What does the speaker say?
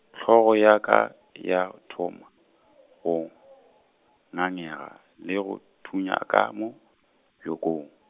hlogo ya ka, ya thoma, go, ngangega le go thunya ka mo, bjokong.